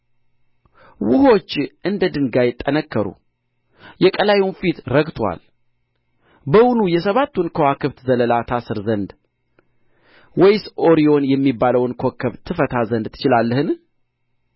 ውኆች እንደ ድንጋይ ጠነከሩ የቀላዩም ፊት ረግቶአል በውኑ የሰባቱን ከዋክብት ዘለላ ታስር ዘንድ ወይስ ኦሪዮን የሚባለውን ኮከብ ትፈታ ዘንድ ትችላለህን